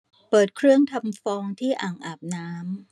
เปิดเครื่องทำฟองที่อ่างอาบน้ำ